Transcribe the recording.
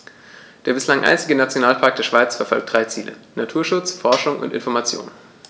Der bislang einzige Nationalpark der Schweiz verfolgt drei Ziele: Naturschutz, Forschung und Information.